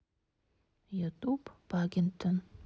ютуб пагиндтон